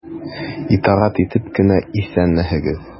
Итагать итеп кенә:— Исәнмесез!